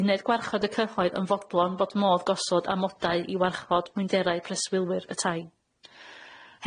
uned gwarchod y cyhoedd yn fodlon fod modd gosod amodau i warchod mwynderau preswylwyr y tai.